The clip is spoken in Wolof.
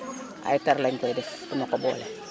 ay tar lañu koy def du ma ko boole